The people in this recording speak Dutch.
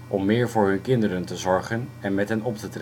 om meer voor hun kinderen te zorgen en met hen op